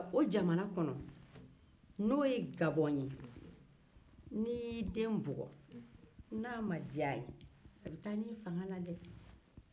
gabɔn jamana kɔnɔ n'i y'i den gosi n'a ma diya a ye a be taa n'i ye fanga la